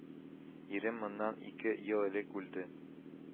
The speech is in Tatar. Ирем моннан ике ел элек үлде